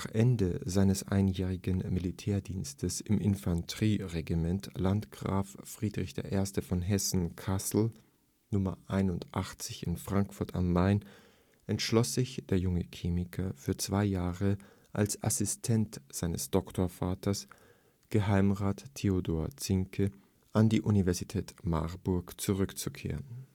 Ende seines einjährigen Militärdienstes im Infanterie-Regiment Landgraf Friedrich I. von Hessen-Cassel (1. Kurhessisches) Nr. 81 in Frankfurt am Main entschloss sich der junge Chemiker, für zwei Jahre als Assistent seines Doktorvaters, Geheimrat Theodor Zincke, an die Universität Marburg zurückzukehren